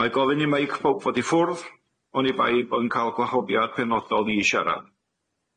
Mae gofyn i meic bow- fod i ffwrdd oni bai bo' yn ca'l gwahobiad penodol i siarad.